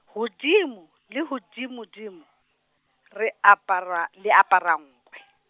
hodimo, le hodimodimo , re apara, le apara nkwe.